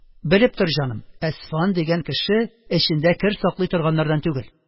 – белеп тор, җаным, әсфан дигән кеше эчендә кер саклый торганнардан түгел.